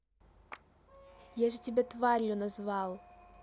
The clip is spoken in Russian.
я же тебя тварью назвал